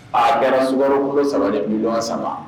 A kɛra sumaworo bɛ saba de buba saba